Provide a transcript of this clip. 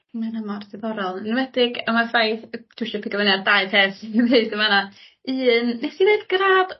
Ma' hynna mor diddorol yn enwedig a ma'r faith d- dwi isio pigo fyny ar dau peth ti 'di ddeud yn fanna un nes ti neud gradd